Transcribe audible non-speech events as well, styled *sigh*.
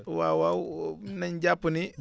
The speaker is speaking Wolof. waawaaw *hesitation* nañ jàpp ni